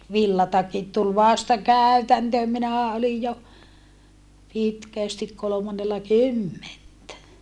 villatakit tuli vasta käytäntöön minähän olin jo pitkästi kolmannella kymmentä